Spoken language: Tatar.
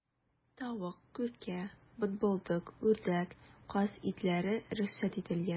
Тавык, күркә, бытбылдык, үрдәк, каз итләре рөхсәт ителгән.